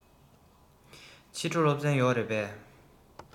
ཕྱི དྲོ སློབ ཚན ཡོད རེད པས